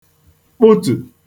kpụtu